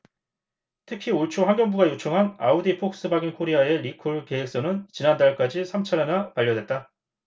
특히 올초 환경부가 요청한 아우디폭스바겐코리아의 리콜 계획서는 지난달까지 삼 차례나 반려됐다